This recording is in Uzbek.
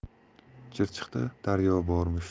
chirchiqda daryo bormish